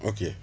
ok